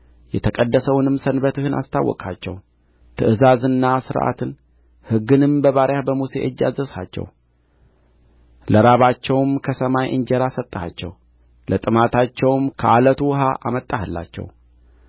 የተቀደሰውንም ሰንበትህን አስታወቅሃቸው ትእዛዝንና ሥርዓትን ሕግንም በባሪያህ በሙሴ እጅ አዘዝሃቸው ለራባቸውም ከሰማይ እንጀራ ሰጠሃቸው ለጥማታቸውም ከዓለቱ ውኃ አመጣህላቸው